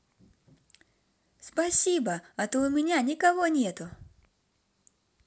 спасибо а то у меня никого нету